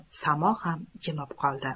samo ham jimib qoldi